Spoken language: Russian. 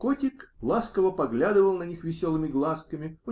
Котик ласково поглядывал на них веселыми глазками.